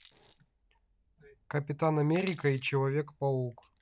капитан америка и человек паук